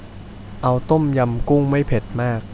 เอาต้มยำกุ้งไม่เผ็ดมาก